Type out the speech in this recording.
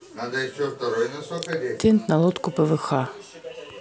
тент на лодку пвх